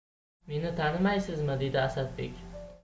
meni tanimaysizmi dedi asadbek